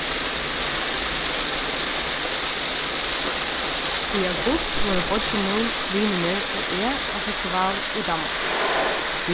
í august vóru beiggi mín vinirnir og eg á festival í danmark